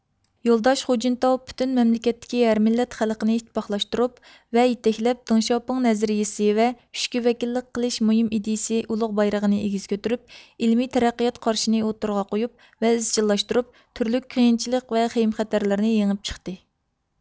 يولداش خۇجىنتاۋ پۈتۈن مەملىكەتتىكى ھەر مىللەت خەلقنى ئىتتىپاقلاشتۇرۇپ ۋە يېتەكلەپ دېڭشياۋپىڭ نەزەرىيىسى ۋە ئۈچكە ۋەكىللىك قىلىش مۇھىم ئىدىيىسى ئۇلۇغ بايرىقىنى ئېگىز كۆتۈرۈپ ئىلمىي تەرەققىيات قارىشىنى ئوتتۇرىغا قويۇپ ۋە ئىزچىللاشتۇرۇپ تۈرلۈك قىيىنچىلىق ۋە خېيمخەتەرلەرنى يېڭىپ چىقتى